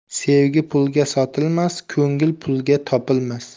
sevgi pulga sotilmas ko'ngil pulga topilmas